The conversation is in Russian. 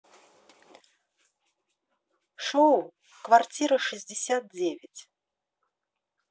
шоу квартира шестьдесят девять